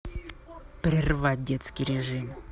прервать детский режим